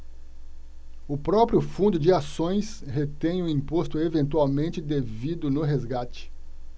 o próprio fundo de ações retém o imposto eventualmente devido no resgate